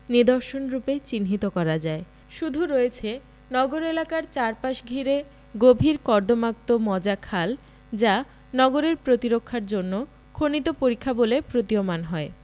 নিদর্শনরূপে চিহ্নিত করা যায় শুধু রয়েছে নগর এলাকার চারপাশ ঘিরে গভীর কর্দমাক্ত মজা খাল যা নগরের প্রতিরক্ষার জন্য খনিত পরিখা বলে প্রতীয়মান হয়